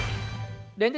đến